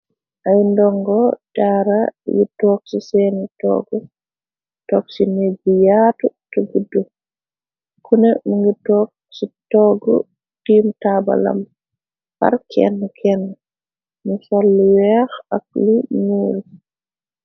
Ay ndongo jaara yi toog ci seeni toggu togsine ji yaatu te buddu kune mu ngi toog ci toggu tiim tabalam par kenn kenn ni falu weex ak li ñuul.